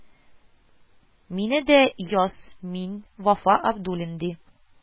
Мине дә яз, мин Вафа Абдуллин, ди